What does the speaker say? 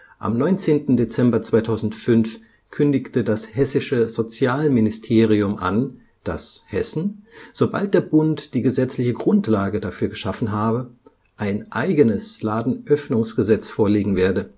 Am 19. Dezember 2005 kündigte das Hessische Sozialministerium an, dass Hessen – sobald der Bund die gesetzliche Grundlage dafür geschaffen habe – ein eigenes Ladenöffnungsgesetz vorlegen werde